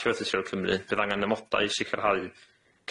Naturiol Cymru bydd angan amodau i sicirhau